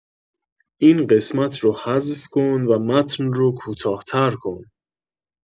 این قسمت رو حذف کن و متن رو کوتاه‌تر کن